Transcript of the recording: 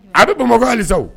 A bɛ bamakɔ ko halisa